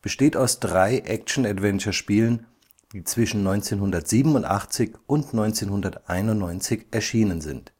besteht aus drei Action-Adventure-Spielen, die zwischen 1987 und 1991 erschienen sind